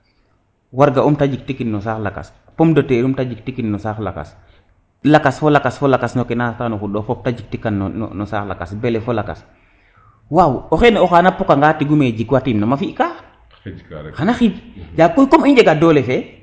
warga um te jikto kin no saax lakas pomme de terre um te jik tikin no saax lakas lakas fo lakas noke na reta no xundox fop te jik ti kan no saax lakas blé fo lakas waaw o xene pokanga tigume jik wa tiim nama fika xana xij yakoy comme i njega doole fe